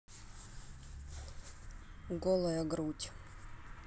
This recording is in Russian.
голая грудь